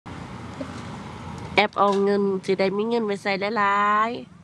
แอปออมเงินสิได้มีเงินไว้ใช้หลายหลาย